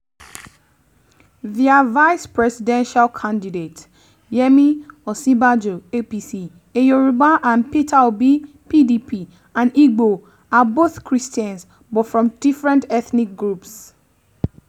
Their vice-presidential candidates – Yemi Osibanjo (APC), a Yoruba, and Peter Obi (PDP), an Igbo, are both Christians— but from different ethnic groups.